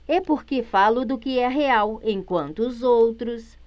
é porque falo do que é real enquanto os outros